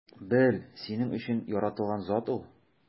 Бел: синең өчен яратылган зат ул!